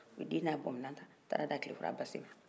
u ye den n' a bamuna ta u taara da tile kɔrɔ a ba sen kan